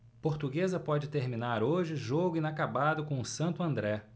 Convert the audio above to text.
portuguesa pode terminar hoje jogo inacabado com o santo andré